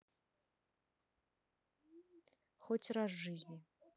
хоть раз в жизни